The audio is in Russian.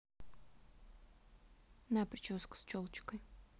на прическа с челочкой